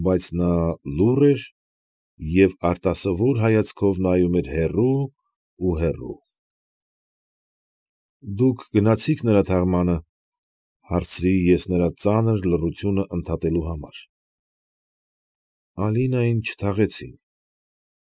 Բայց նա լուռ էր և արտասովոր հայացքով նայում էր հեռու ու հեռու։ ֊ Դուք գնացի՞ք նրա թաղմանը,֊հարցրի ես նրա ծանր լռությունը ընդհատելու համար։ ֊ Ալինային չթաղեցին։ ֊